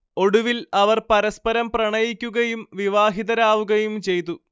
ഒടുവിൽ അവർ പരസ്പരം പ്രണയിക്കുകയും വിവാഹിതരാവുകയും ചെയ്തു